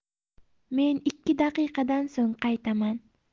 men ikki daqiqadan so'ng qaytaman